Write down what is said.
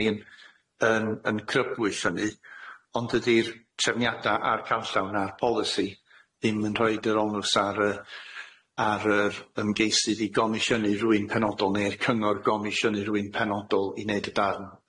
ni'n yn yn crybwyll hynny ond dydi'r trefniada a'r cawllawn na'r polisi ddim yn rhoid yr onws ar yy ar yr ymgeisydd i gomisiynu rywun penodol ne' cyngor gomisiynu rywun penodol i neud y darn